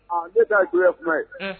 Aa ne ta ye tun ye kuma ye? Un,